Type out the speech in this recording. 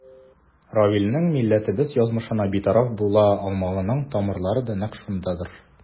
Равилнең милләтебез язмышына битараф була алмавының тамырлары да нәкъ шундадыр.